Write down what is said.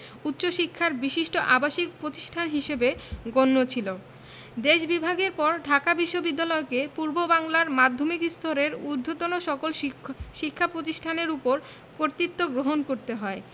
উচ্চশিক্ষার বিশিষ্ট আবাসিক প্রতিষ্ঠান হিসেবে গণ্য ছিল দেশ বিভাগের পর ঢাকা বিশ্ববিদ্যালয়কে পূর্ববাংলার মাধ্যমিক স্তরের ঊধ্বর্তন সকল শিক্ষা প্রতিষ্ঠানের ওপর কর্তৃত্ব গ্রহণ করতে হয়